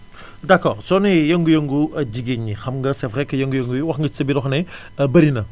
d' accord soo nee yëngu-yëngu jigéen ñi xam nga c' vrai que yëngu-yëngu yi wax nga sa biir wax ne bari na